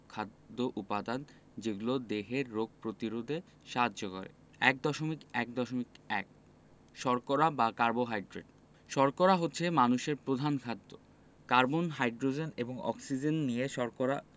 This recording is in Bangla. খাদ্য উপাদান যেগুলো দেহের রোগ প্রতিরোধে সাহায্য করে ১.১.১ শর্করা বা কার্বোহাইড্রেট শর্করা হচ্ছে মানুষের প্রধান খাদ্য কার্বন হাইড্রোজেন এবং অক্সিজেন নিয়ে শর্করা